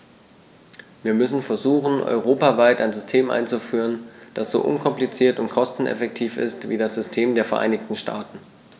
Wir müssen versuchen, europaweit ein System einzuführen, das so unkompliziert und kosteneffektiv ist wie das System der Vereinigten Staaten.